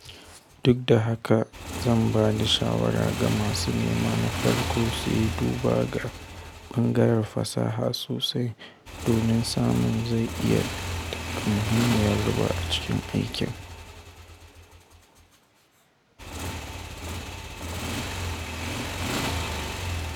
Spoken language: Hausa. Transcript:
Duk da haka, zan ba da shawara ga masu nema na farko su yi duba ga ɓangaren fasaha sosai, domin zai iya taka muhimmiyar rawa a cikin aikin.